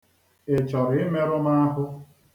Ị chọrọ ịmerụ m ahụ?